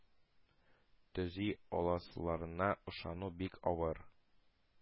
Төзи аласыларына ышану бик авыр.